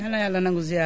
Yàl na Yàlla nangu ziyaar